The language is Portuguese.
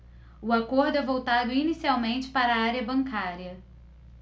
o acordo é voltado inicialmente para a área bancária